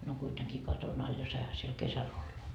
no kuitenkin katon alla ja saihan siellä kesällä olla